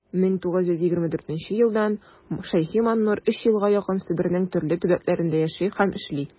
1924 елдан ш.маннур өч елга якын себернең төрле төбәкләрендә яши һәм эшли.